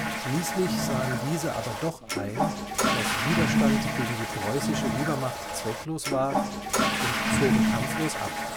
Schließlich sahen diese aber doch ein, dass Widerstand gegen die preußische Übermacht zwecklos war, und zogen kampflos ab